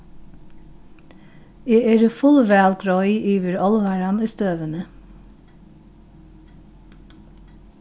eg eri fullvæl greið yvir álvaran í støðuni